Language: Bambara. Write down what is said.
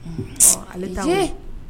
Ale taa